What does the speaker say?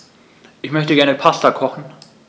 Ich möchte gerne Pasta kochen.